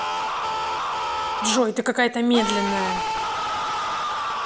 джой ты какая то медленная